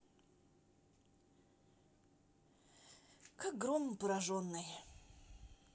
как громом пораженный